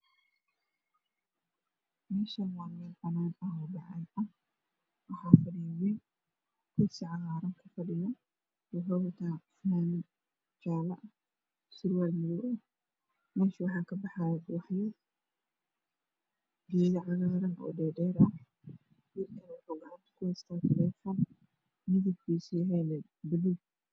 Meshani waa mel hol ah waxaa fadhiya wiil kursi cagaran ku fadhiya wuxuu wataa funanad jalo ah iyo surwal madow ah falawaro ayaa ka baxaaya cagaran